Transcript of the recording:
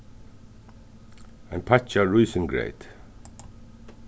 ein pakki av rísingreyti